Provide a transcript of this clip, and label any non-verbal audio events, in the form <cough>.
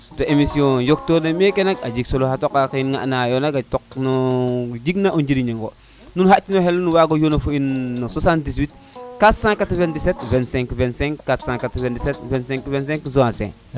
<music> to emission njoktor meke nak a jeg solo xa toqa xe ŋa na yo nak xa toq no dig na po njiriño nu xaƴ tino xel nu wago yona fo in no 784972525 784972525 Zancier